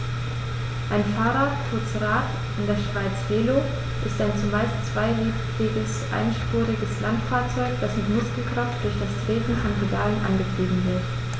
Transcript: Ein Fahrrad, kurz Rad, in der Schweiz Velo, ist ein zumeist zweirädriges einspuriges Landfahrzeug, das mit Muskelkraft durch das Treten von Pedalen angetrieben wird.